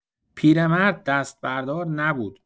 پیرمرد دست‌بردار نبود.